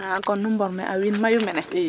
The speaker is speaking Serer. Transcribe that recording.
An kon nu mborme'a win mayu mene?